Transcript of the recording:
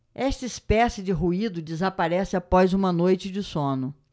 esta espécie de ruído desaparece após uma noite de sono